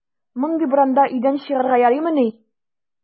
Мондый буранда өйдән чыгарга ярыймыни!